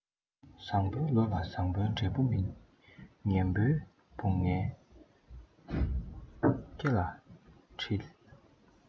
བཟང པོའི ལོ ལ བཟང པོའི འབྲས བུ སྨིན ངན པའི འབྲས བུ ངན པའི སྐེ ལ འཁྲིལ